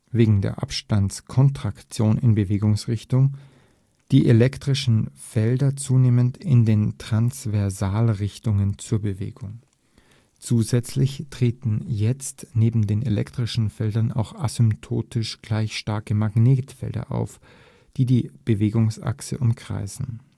wegen der Abstandskontraktion in Bewegungsrichtung – die elektrischen Felder zunehmend in den Transversalrichtungen zur Bewegung. Zusätzlich treten jetzt neben den elektrischen Feldern auch (asymptotisch gleich starke) Magnetfelder auf, die die Bewegungsachse umkreisen